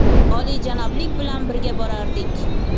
oliyjanoblik bilan birga borardik